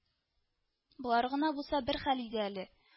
Болары гына булса бер хәл иде әле